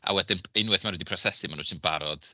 A wedyn unwaith maen nhw 'di prosesu maen nhw jyst yn barod.